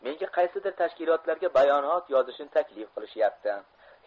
menga qaysidir tashkilotlarga bayonot yozishni taklif qilishyapti